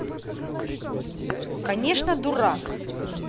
конечно дурак